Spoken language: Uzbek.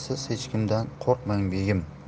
hech kimdan qo'rqmang begim